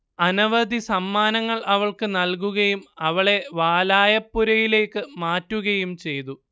അനവധി സമ്മാനങ്ങൾ അവൾക്ക് നൽകുകയും അവളെ വാലായപ്പുരയിലേക്ക് മാറ്റുകയും ചെയ്തു